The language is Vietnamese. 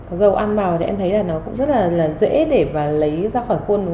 có dầu ăn vào thì em thấy là nó cũng rất là dễ để mà lấy ra khỏi khuôn